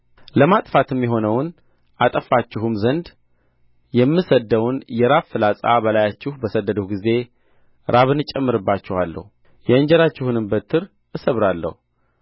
ለማጥፋትም የሆነውን አጠፋችሁም ዘንድ የምሰድደውን የራብ ፍላጻ በላያችሁ በሰደድሁ ጊዜ ራብን እጨምርባችኋለሁ የእንጀራችሁንም በትር እሰብራለሁ